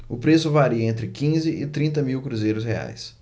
o preço varia entre quinze e trinta mil cruzeiros reais